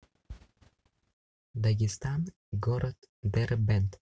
дагестан город дербент